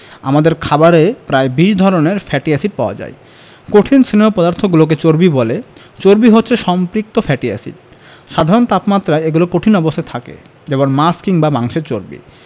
আমাদের খাবারে প্রায় ২০ ধরনের ফ্যাটি এসিড পাওয়া যায় কঠিন স্নেহ পদার্থগুলোকে চর্বি বলে চর্বি হচ্ছে সম্পৃক্ত ফ্যাটি এসিড সাধারণ তাপমাত্রায় এগুলো কঠিন অবস্থায় থাকে যেমন মাছ কিংবা মাংসের চর্বি